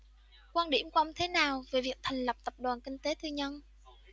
quan điểm của ông thế nào về việc thành lập tập đoàn kinh tế tư nhân